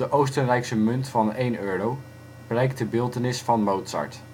Oostenrijkse munt van 1 euro prijkt de beeltenis van Mozart